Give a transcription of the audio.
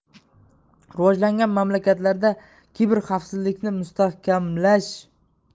rivojlangan mamlakatlarda kiber xavfsizlikni mustahkamlash